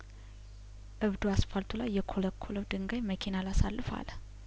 እብዱ አስፋልቱ ላይ የኰለኰ ለው ድንጋይመኪና አላ ሳልፍ አለ